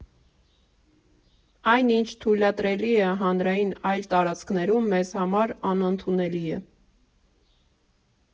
Այն, ինչ թույլատրելի է հանրային այլ տարածքներում, մեզ համար անընդունելի է։